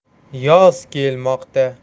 yoz kelmoqda